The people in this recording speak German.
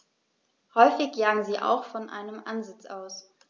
Häufig jagen sie auch von einem Ansitz aus.